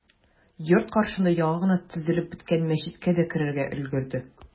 Йорт каршында яңа гына төзелеп беткән мәчеткә дә керергә өлгерде.